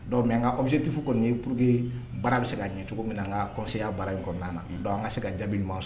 Dɔw nka bɛ se tɛfu kɔni ni pur que baara bɛ se ka ɲɛ cogo min na n ka kɔya baara in kɔnɔna na an ka se ka jaabi